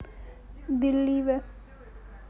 believer